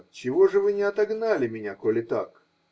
-- Отчего же вы не отогнали меня, коли так?